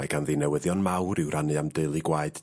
mae ganddi newyddion mawr i'w rannu am deulu gwaed...